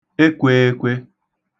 ekwēēkwē